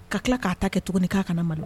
Ka tila k'a ta kɛ tuguni k'a kana malo